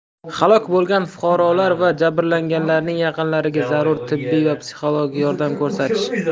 halok bo'lgan fuqarolar va jabrlanganlarning yaqinlariga zarur tibbiy va psixologik yordam ko'rsatish